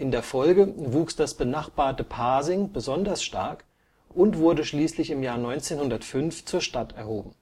der Folge wuchs das benachbarte Pasing besonders stark und wurde schließlich 1905 zur Stadt erhoben